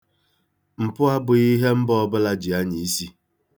Mpụ abụghị ihe mba ọbụla na-eji anya isi.